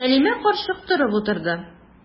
Сәлимә карчык торып утырды.